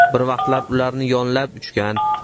bir vaqtlar ularni yonlab uchgan